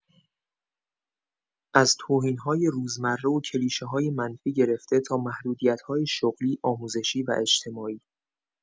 از توهین‌های روزمره و کلیشه‌های منفی گرفته تا محدودیت‌های شغلی، آموزشی و اجتماعی.